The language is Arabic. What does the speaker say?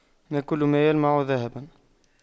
ما كل ما يلمع ذهباً